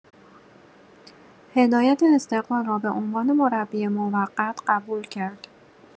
هدایت استقلال را به عنوان مربی موقت قبول کرد.